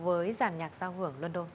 với dàn nhạc giao hưởng luân đôn